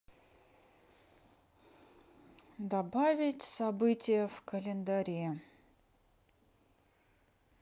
добавить событие в календаре